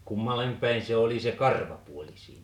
kummalle päin se oli se karvapuoli siinä